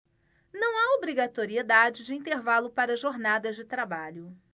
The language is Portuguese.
não há obrigatoriedade de intervalo para jornadas de trabalho